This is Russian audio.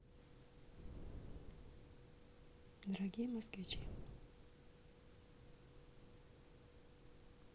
дорогие москвичи